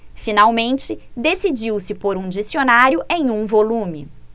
finalmente decidiu-se por um dicionário em um volume